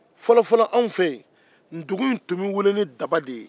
fɔlɔfɔlɔ anw fɛ yen ntugun tun bɛ wuli ni daba de ye